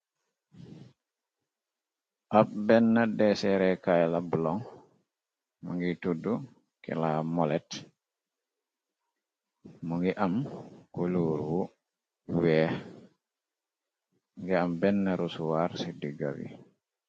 ab benn deesereekaayla bloŋ mu ngiy tudd kila molet mu ngi am kuluur wu weex ngi am benn rusuwar ci digga wi